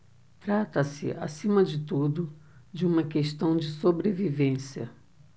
trata-se acima de tudo de uma questão de sobrevivência